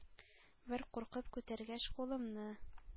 Бер куркып күтәргәч кулыңны.